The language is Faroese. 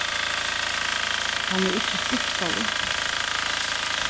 hann er ikki spískaður